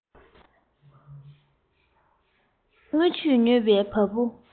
རྔུལ ཆུས མྱོས པའི བ སྤུ